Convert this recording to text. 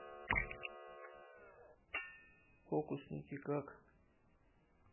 фокусники как